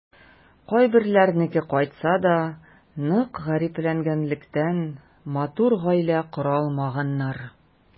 Кайберләренеке кайтса да, нык гарипләнгәнлектән, матур гаилә кора алмаганнар.